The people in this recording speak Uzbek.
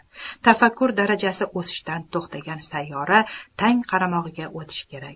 tafakkur darajasi o'sishdan to'xtagan sayyora tang qaramog'iga o'tishi kerak